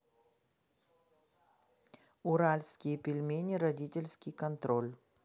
уральские пельмени родительский контроль